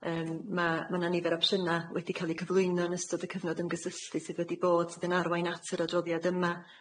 Yym ma' ma' 'na nifer o opsiyna' wedi ca'l eu cyflwyno yn ystod y cyfnod ymgysylltu sydd wedi bod, sydd yn arwain at yr adroddiad yma.